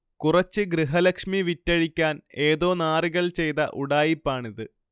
കുറച്ച് ഗൃഹലക്ഷ്മി വിറ്റഴിക്കാൻ ഏതോ നാറികൾ ചെയ്ത ഉഡായിപ്പാണിത്